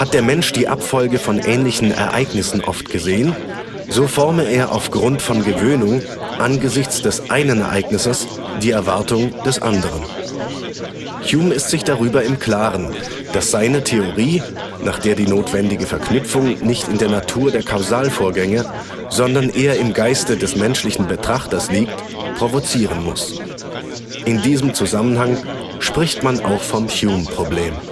der Mensch die Abfolge von ähnlichen Ereignissen oft gesehen, so forme er aufgrund von Gewöhnung angesichts des einen Ereignisses die Erwartung des anderen. Hume ist sich darüber im Klaren, dass seine Theorie, nach der die notwendige Verknüpfung nicht in der Natur der Kausalvorgänge, sondern eher im Geiste der menschlichen Betrachter liegt, provozieren muss. In diesem Zusammenhang spricht man auch vom Hume-Problem